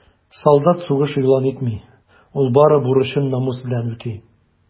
Солдат сугыш игълан итми, ул бары бурычын намус белән үти.